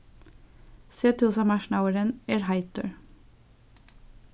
sethúsamarknaðurin er heitur